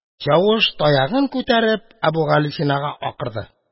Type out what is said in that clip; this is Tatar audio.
Чавыш, таягын күтәреп, Әбүгалисинага акырды: